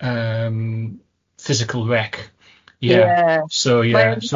yym physical wreck... Yeah mae e 'n lot. ..so yeah so